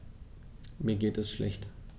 Mir geht es schlecht.